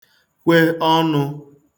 kwe ọnụ̄